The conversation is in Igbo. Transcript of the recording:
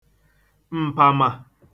m̀pàmà